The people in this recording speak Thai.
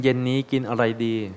เย็นนี้กินอะไรดี